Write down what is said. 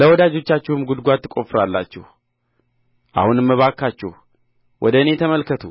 ለወዳጆቻችሁም ጕድጓድ ትቈፍራላችሁ አሁንም እባካችሁ ወደ እኔ ተመልከቱ